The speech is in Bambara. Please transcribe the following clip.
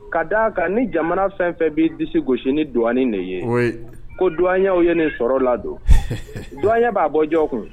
Ka d'a kan ni jamana fɛn o fɛn b'i disi gosi ni douane de ye. oui ko douaniers w ye nin sɔrɔ ladon, douanier b'a bɔ jɔni kun ?